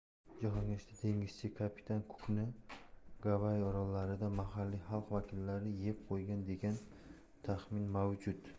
jahongashta dengizchi kapitan kukni gavayi orollarida mahalliy xalq vakillari yeb qo'ygan degan taxmin mavjud